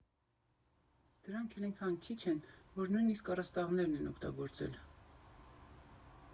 Դրանք էլ էնքան քիչ են, որ նույնիսկ առաստաղներն ենք օգտագործել։